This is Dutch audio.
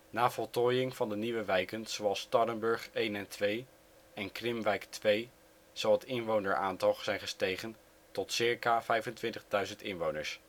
Na voltooiing van de nieuwe wijken zoals Starrenburg I en II, en Krimwijk II zal het inwoneraantal zijn gestegen tot ca 25.000 inwoners